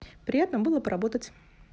приятно было поработать